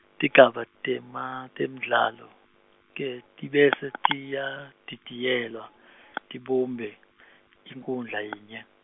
tigaba tema temdlalo ke tibese tiyadidiyelwa, tibumbe, inkhundla yinye.